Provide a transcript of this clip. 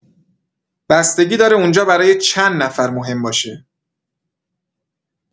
بستگی داره اونجا برای چند نفر مهم باشه.